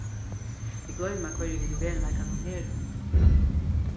at vit gloyma hvørji vit í veruleikanum eru